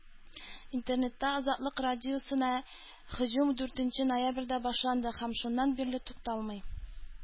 Интернетта Азатлык радиосына һөҗүм ундүртенче ноябрьдә башланды һәм шуннан бирле тукталмый.